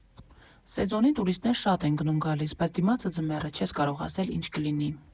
Սեզոնին տուրիստներ շատ են գնում֊գալիս, բայց դիմացը ձմեռ է, չես կարող ասել՝ ինչ կլինի»։